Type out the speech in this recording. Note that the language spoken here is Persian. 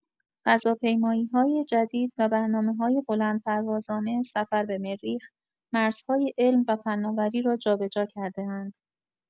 فضاپیمایی‌های جدید و برنامه‌‌های بلندپروازانه سفر به مریخ، مرزهای علم و فناوری را جابه‌جا کرده‌اند.